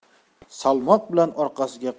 salmoq bilan orqasiga